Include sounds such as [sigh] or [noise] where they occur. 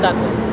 d' accord [noise]